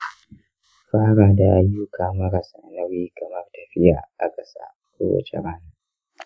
fara da ayyuka marasa nauyi kamar tafiya a ƙasa kowace rana.